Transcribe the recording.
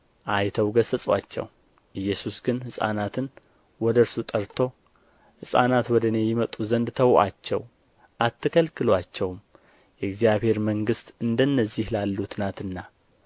አይተው ገሠጹአቸው ኢየሱስ ግን ሕፃናትን ወደ እርሱ ጠርቶ ሕፃናት ወደ እኔ ይመጡ ዘንድ ተዉአቸው አትከልክሉአቸውም የእግዚአብሔር መንግሥት እንደ እነዚህ ላሉት ናትና